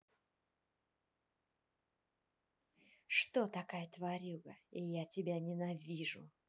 что такая тварюга я тебя ненавижу